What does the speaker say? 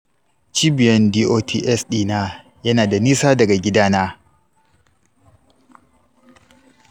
sai da na ci bashin kuɗi don yin gwaje-gwaje a dakin gwaje.